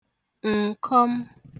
ǹkọm